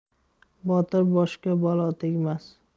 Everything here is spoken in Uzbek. botir boshga balo tegmas